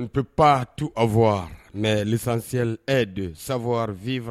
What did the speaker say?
N bɛ pan tu a fɔ mɛ zsi don sawa vfa